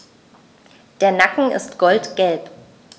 Der Nacken ist goldgelb.